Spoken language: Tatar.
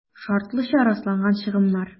«шартлыча расланган чыгымнар»